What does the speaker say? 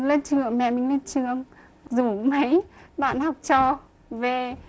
lên trường mẹ mình lên trường rủ mấy bạn học trò về